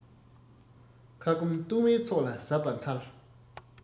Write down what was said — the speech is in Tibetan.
ཁ སྐོམ བཏུང བའི ཚོགས ལ གཟབ པར འཚལ